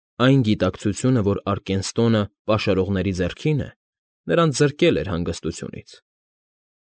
Այն գիտակցությունը, որ Արկենստոնը պաշարողների ձեռքին է, նրանց զրկել էր հանգստությունից։